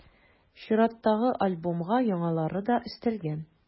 Чираттагы альбомга яңалары да өстәлгән.